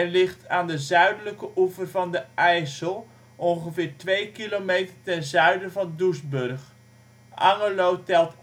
ligt aan de zuidelijke oever van de IJssel, ongeveer 2 km ten zuiden van Doesburg. Angerlo telt